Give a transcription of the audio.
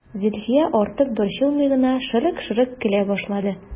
Зөлфия, артык борчылмый гына, шырык-шырык көлә башлады.